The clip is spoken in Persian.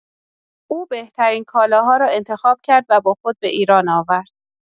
او بهترین کالاها را انتخاب کرد و با خود به ایران آورد.